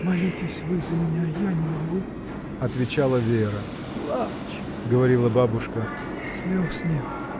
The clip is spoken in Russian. — Молитесь вы за меня, — я не могу! — отвечала Вера. — Плачь! — говорила бабушка. — Слез нет!